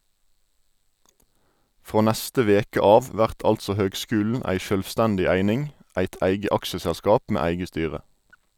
Frå neste veke av vert altså høgskulen ei sjølvstendig eining, eit eige aksjeselskap med eige styre.